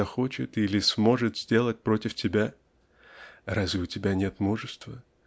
захочет или сможет сделать против тебя. Разве у тебя нет мужества?